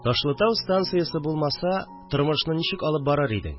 Ташлытау станциясе булмаса, тормышны ничек алып барыр идең